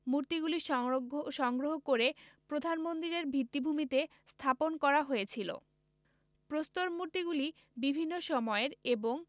মূর্তিগুলি সংগ্রহ করে প্রধান মন্দিরের ভিত্তিভূমিতে স্থাপন করা হয়েছিল প্রস্তর মূর্তিগুলি বিভিন্ন সময়ের এবং